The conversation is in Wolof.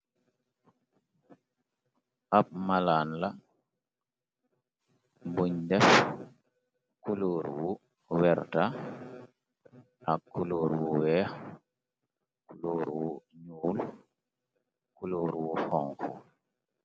Ab malaan la buñ dèf kulor wu werta ak kulor wu wèèx kulor wu ñuul kulor wu xonxu.